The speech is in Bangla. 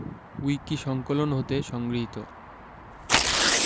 উইকিসংকলন হতে সংগৃহীত